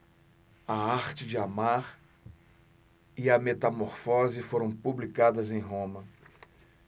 a arte de amar e a metamorfose foram publicadas em roma